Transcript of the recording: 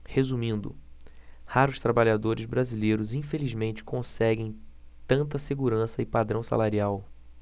resumindo raros trabalhadores brasileiros infelizmente conseguem tanta segurança e padrão salarial